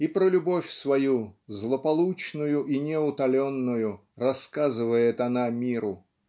И про любовь свою, злополучную и неутоленную, рассказывает она миру.